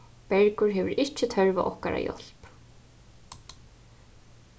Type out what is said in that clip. bergur hevur ikki tørv á okkara hjálp